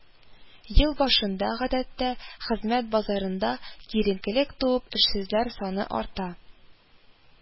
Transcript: Ел башында, гадәттә, хезмәт базарында киеренкелек туып, эшсезләр саны арта